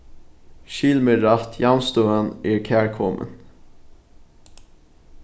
skil meg rætt javnstøðan er kærkomin